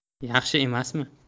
yaxshi emasmi